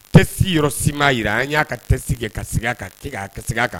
teste yɔrɔ si m'a jira an y'a ka teste kɛ, ka segin k'a kɛ ka segin a ka